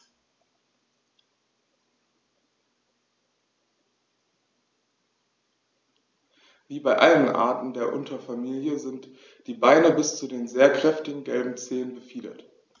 Wie bei allen Arten der Unterfamilie sind die Beine bis zu den sehr kräftigen gelben Zehen befiedert.